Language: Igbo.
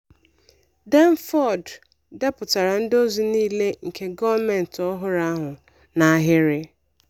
Denford depụtara ndị ozi niile nke gọọmentị ọhụrụ ahụ n'ahịrị.